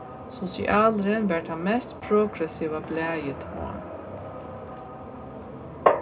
sosialurin var tað mest progressiva blaðið tá